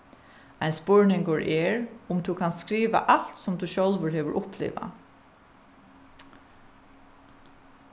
ein spurningur er um tú kanst skriva alt sum tú sjálvur hevur upplivað